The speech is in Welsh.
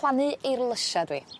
plannu eirlysia dw i